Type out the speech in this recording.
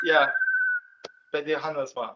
Ia, beth 'di'r hanes 'ma?